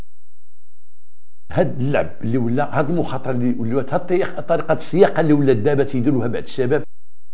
هد اللعب